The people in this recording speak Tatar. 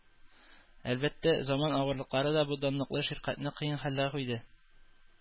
Әлбәттә, заман авырлыклары да бу данлыклы ширкәтне кыен хәлгә куйды.